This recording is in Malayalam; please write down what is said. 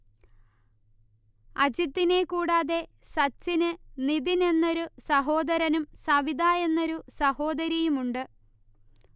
അജിത്തിനെ കൂടാതെ സച്ചിന് നിതിൻ എന്നൊരു സഹോദരനും സവിത എന്നൊരു സഹോദരിയുമുണ്ട്